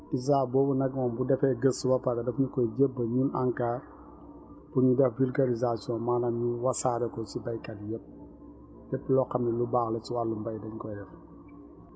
ISRA boobu nag moom bu defee gëstu ba pare daf ñu koy jébal ñun ANCAR pour ñu def vulgarisation maanaam ñu wasaare ko si baykat yépp lépp loo xam ne lu baax la si wàllu mbay dañu koy def